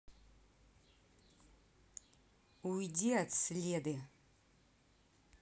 уйди от следы